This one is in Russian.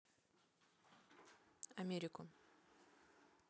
америку